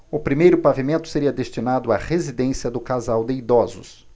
o primeiro pavimento seria destinado à residência do casal de idosos